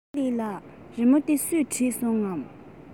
ཞོའོ ལིའི ལགས རི མོ འདི སུས བྲིས སོང ངས